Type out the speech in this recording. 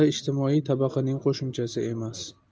ijtimoiy tabaqaning qo'shimchasi emas